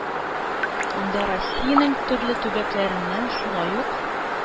Анда Россиянең төрле төбәкләреннән, шулай ук,